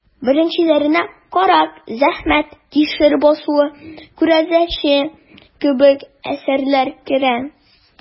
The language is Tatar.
Беренчеләренә «Карак», «Зәхмәт», «Кишер басуы», «Күрәзәче» кебек әсәрләр керә.